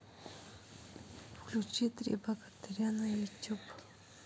включи три богатыря на ютуб